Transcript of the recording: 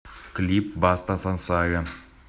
клип баста сансара